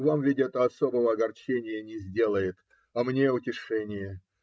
Вам ведь это особого огорчения не сделает, а мне утешение